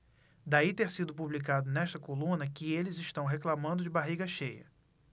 daí ter sido publicado nesta coluna que eles reclamando de barriga cheia